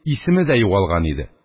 Исеме дә югалган иде.